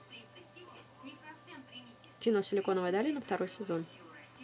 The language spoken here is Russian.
кино силиконовая долина второй сезон